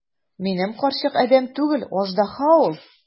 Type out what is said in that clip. Минем карчык адәм түгел, аждаһа ул!